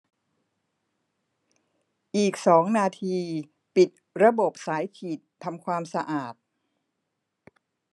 อีกสองนาทีปิดระบบสายฉีดทำความสะอาด